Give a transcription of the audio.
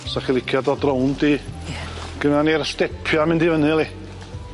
Sa chi licio dod rownd i... Ie. ...gennon ni'r stepia yn mynd i fyny yli.